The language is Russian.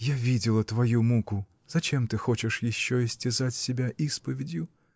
Я видела твою муку: зачем ты хочешь еще истязать себя исповедью?